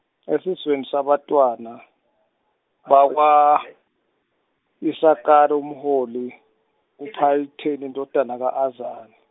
esizweni sabantwana, bakwa Isakare, umholi uPalitiyeli indodana ka Azani.